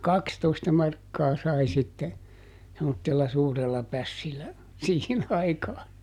ja kaksitoista markkaa sai sitten semmoisella suurella pässillä siihen aikaa